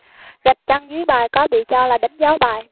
gạch chân dưới bài có bị cho là đánh dấu bài